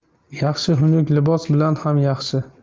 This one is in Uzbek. yaxshi xunuk libos bilan ham yaxshi